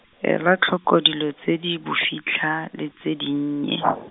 ela tlhoko dilo tse di bofitlha, le tse dinnye.